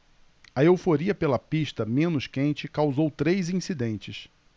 a euforia pela pista menos quente causou três incidentes